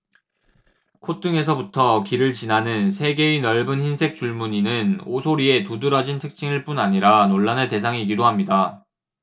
콧등에서부터 귀를 지나는 세 개의 넓은 흰색 줄무늬는 오소리의 두드러진 특징일 뿐 아니라 논란의 대상이기도 합니다